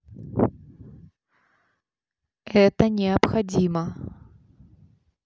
это необходимо